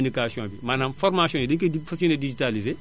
communication bi maanaam formation yi dañu ko fas yéene digitalisée